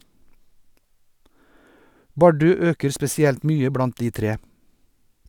Bardu øker spesielt mye blant de tre.